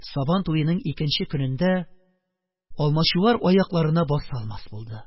Сабан туеның икенче көнендә алмачуар аякларына баса алмас булды,